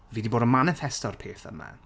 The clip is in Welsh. Fi 'di bod yn maniffesto'r peth yma.